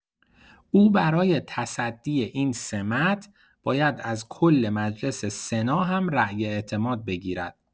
او برای تصدی این سمت باید از کل مجلس سنا هم رای اعتماد بگیرد.